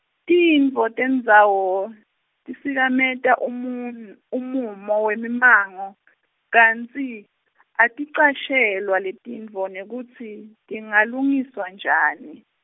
tintfo tendzawo, titsikameta umum- umumo wemimango , kantsi , aticashelwa letintfo nekutsi, tingalungiswa njani.